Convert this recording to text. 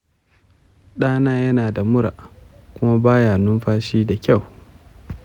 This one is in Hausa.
ɗana yana da mura kuma ba ya numfashi da kyau